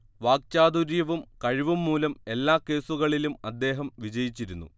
വാക്ചാതുര്യവും കഴിവും മൂലം എല്ലാ കേസുകളിലും അദ്ദേഹം വിജയിച്ചിരുന്നു